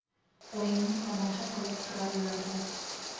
o'yinni tamosha qilib turaverardi